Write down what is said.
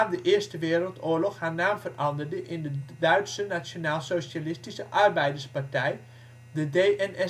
de Eerste Wereldoorlog haar naam veranderde in de Duitse Nationaalsocialistische Arbeiderspartij, de DNSAP